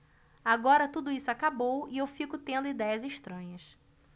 agora tudo isso acabou e eu fico tendo idéias estranhas